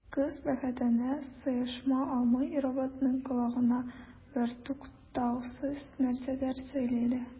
Кыз, бәхетенә сыеша алмый, роботның колагына бертуктаусыз нәрсәдер сөйли иде.